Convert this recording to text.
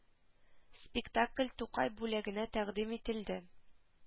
Спектакль тукай бүләгенә тәкъдим ителде